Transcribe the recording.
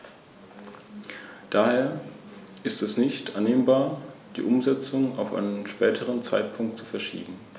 Dies ist ein Bereich, in dem sich die Kommission, wie ich meine, als wahrer Freund von Wales erweisen kann.